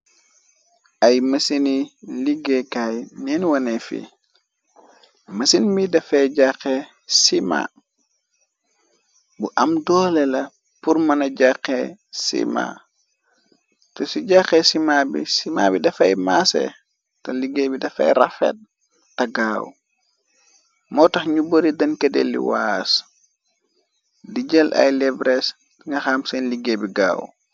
Ayy mëseni liggéekaay neen wane fi mëseni bi dafay jàxxe sima bu am doole la pur mëna jàxxe sima te ci jàxxe sima bi sima bi dafay maase ta liggée bi dafay rafet tagaaw moo tax ñu bari dankedelli waas di jël ay levres nga xam seen liggée bi gaaw.